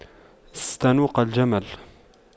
استنوق الجمل